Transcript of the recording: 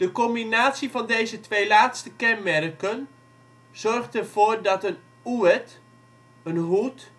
combinatie van deze twee laatste kenmerken zorgt er voor dat een oeëd (hoed) hoeëd